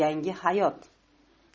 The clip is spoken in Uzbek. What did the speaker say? yangi hayot